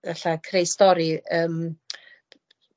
Efalla creu stori yym